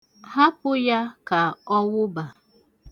Hapụ ya ka ọ wụba.